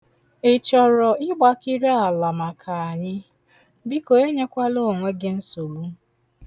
Ị chọrọ ịgbakeri ala maka anyi? Biko enyekwala onwe gị nsogbu.